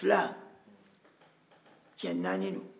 fila cɛ naani don